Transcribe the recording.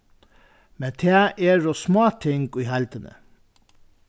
men tað eru smáting í heildini